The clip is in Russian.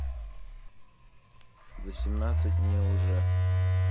восемнадцать мне уже